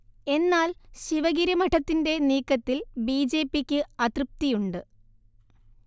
എന്നാൽ ശിവഗിരി മഠത്തിന്റെ നീക്കത്തിൽ ബിജെപിക്ക് അതൃപ്തിയുണ്ട്